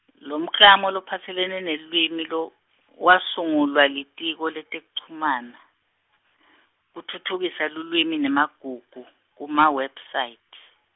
lomklamo lophatselene nelulwimi lo wasungulwa Litiko letekuchumana, kutfutfukisa lulwimi nemagugu, kuma-website.